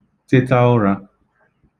teta ụrā